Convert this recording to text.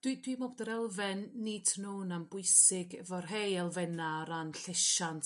Dwi dwi me'l bod yr elfen need to know 'na yn bwysig efo rhei elfenna' o ran llesiant